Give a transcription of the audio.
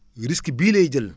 risque bii lay jël